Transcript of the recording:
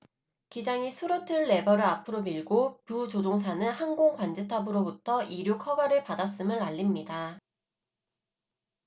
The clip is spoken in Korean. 기장이 스로틀 레버를 앞으로 밀고 부조종사는 항공 관제탑으로부터 이륙 허가를 받았음을 알립니다